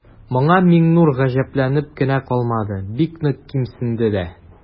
Моңа Миңнур гаҗәпләнеп кенә калмады, бик нык кимсенде дә.